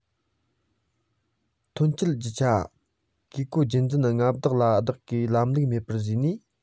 ཐོན སྐྱེད རྒྱུ ཆ བཀས བཀོད རྒྱུད འཛིན མངའ བདག ལ བདག པའི ལམ ལུགས མེད པ བཟོས ནས